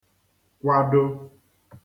kwado